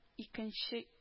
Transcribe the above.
Икенче